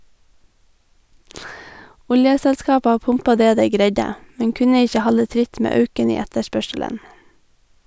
Oljeselskapa pumpa det dei greidde, men kunne ikkje halde tritt med auken i etterspørselen.